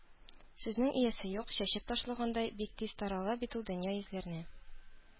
Сүзнең иясе юк, чәчеп ташлагандай, бик тиз тарала бит ул дөнья йөзләренә.